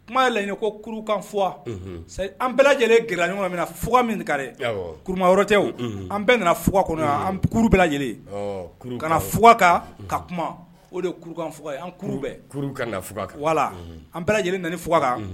Kuma' la ye ko kurukanugwa an bɛɛ lajɛlen gɛlɛla ɲɔgɔnmina na fug min ka kurumatɛw an bɛɛ nana fug kɔnɔ an kuru bɛ lajɛlen kana fugka ka kuma o de kurukanug ankan wala an bɛɛ lajɛlen na fugka